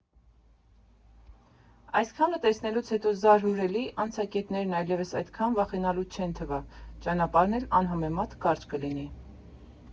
Այսքանը տեսնելուց հետո զարհուրելի անցակետներն այլևս այդքան վախենալու չեն թվա, ճանապարհն էլ անհամեմատ կարճ կլինի։